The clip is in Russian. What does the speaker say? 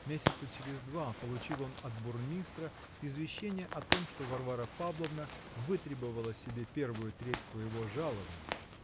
месяца через два получил он от бурмистра извещение о том, что Варвара Павловна вытребовала себе первую треть своего жалованья.